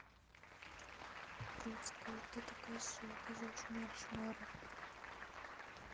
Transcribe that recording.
бродская вот это козел козел шмара шмара